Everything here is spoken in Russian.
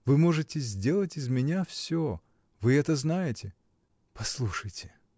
Вы можете сделать из меня всё — вы это знаете. — Послушайте.